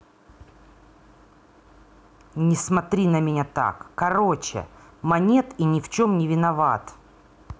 не смотри на меня так короче монет и ни в чем не виноват